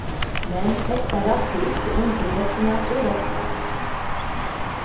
men hetta ræddi ikki ungu gentuna úr vestmanna